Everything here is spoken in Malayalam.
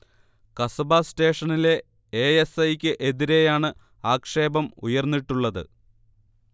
കസബ സ്റ്റേഷനിലെ എ. എസ്. ഐ. ക്ക് എതിരെയാണ് ആക്ഷേപം ഉയർന്നിട്ടുള്ളത്